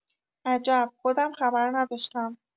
عجب خودم خبر نداشتم